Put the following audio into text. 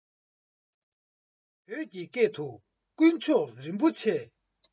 བོད ཀྱི སྐད དུ དཀོན མཆོག རིན པོ ཆེ